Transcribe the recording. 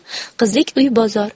qizlik uy bozor